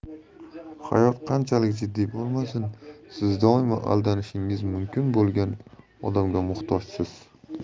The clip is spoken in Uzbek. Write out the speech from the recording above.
hayot qanchalik jiddiy bo'lmasin siz doimo aldanishingiz mumkin bo'lgan odamga muhtojsiz